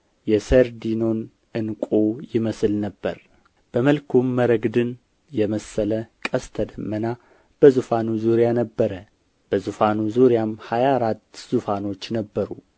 የሰርዲኖን ዕንቍ ይመስል ነበር በመልኩም መረግድን የመሰለ ቀስተ ደመና በዙፋኑ ዙሪያ ነበረ በዙፋኑ ዙሪያም ሀያ አራት ዙፋኖች ነበሩ